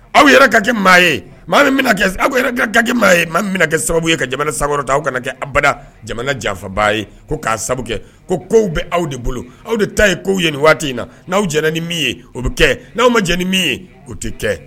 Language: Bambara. Aw yɛrɛ ka kɛ maa ye maa aw ka kɛ maa ye ma kɛ sababu ye ka jamana sababu ta aw kana kɛ awba jamana janfabaa ye ko k'a kɛ ko kow bɛ aw de bolo aw de ta ye kow ye nin waati in na n'aw jɛnɛ ni ye o bɛ kɛ n' aw ma ni ye o tɛ kɛ